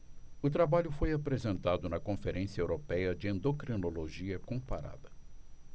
o trabalho foi apresentado na conferência européia de endocrinologia comparada